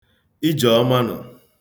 Ijeọma nụ!